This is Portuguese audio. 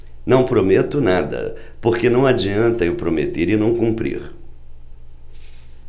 não prometo nada porque não adianta eu prometer e não cumprir